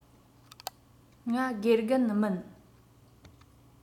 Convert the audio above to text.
ང དགེ རྒན མིན